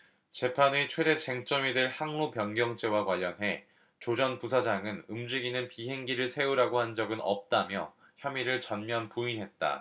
재판의 최대 쟁점이 될 항로변경죄와 관련해 조 전 부사장은 움직이는 비행기를 세우라고 한 적은 없다며 혐의를 전면 부인했다